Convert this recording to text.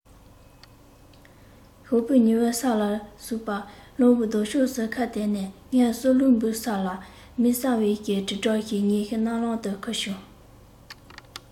ཞོགས པའི ཉི འོད ས ལ ཟུག པ རླུང བུའི ལྡང ཕྱོགས སུ ཁ གཏད ནས ངལ གསོ རླུང བུས གསལ ལ མི གསལ བའི དྲིལ སྒྲ ཞིག ངའི རྣ ལམ དུ ཁུར བྱུང